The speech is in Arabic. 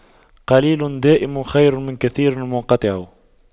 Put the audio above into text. قليل دائم خير من كثير منقطع